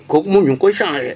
kooku moom ñu ngi koy changé